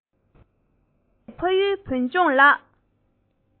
ང ཡི མཛེས པའི ཕ ཡུལ བོད ལྗོངས ལགས